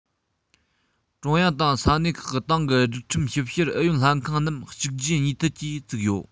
ཀྲུང དབྱང དང ས གནས ཁག གི ཏང གི སྒྲིག ཁྲིམས ཞིབ བཤེར ཨུ ཡོན ལྷན ཁང རྣམས གཅིག རྗེས གཉིས མཐུད ཀྱིས བཙུགས ཡོད